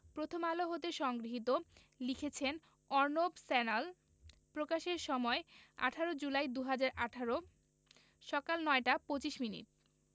প্রথম আলো হতে সংগৃহীত লিখেছেন অর্ণব স্যান্যাল প্রকাশের সময় ১৮ জুলাই ২০১৮ সকাল ৯টা ২৫ মিনিট